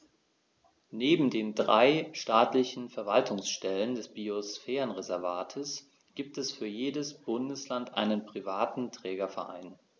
Neben den drei staatlichen Verwaltungsstellen des Biosphärenreservates gibt es für jedes Bundesland einen privaten Trägerverein.